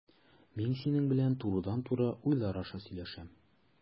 Мин синең белән турыдан-туры уйлар аша сөйләшәм.